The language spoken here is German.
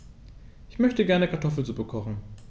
Ich möchte gerne Kartoffelsuppe kochen.